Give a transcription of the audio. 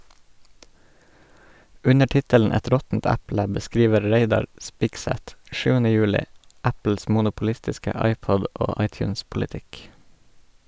Under tittelen "Et råttent eple" beskriver Reidar Spigseth 7. juli Apples monopolistiske iPod- og iTunes-politikk.